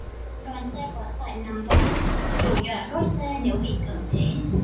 đoàn xe quá tải nằm vạ chủ dọa đốt xe nếu bị cưỡng chế